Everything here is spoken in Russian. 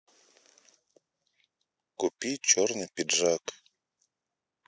купить черный пиджак